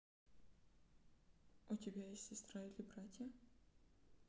у тебя есть сестра или братья